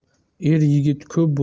er yigit ko'p